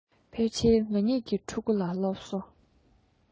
ཕལ ཕྱིར ང གཉིས ཀྱི ཕྲུ གུ ལ སློབ གསོ